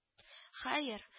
Хаер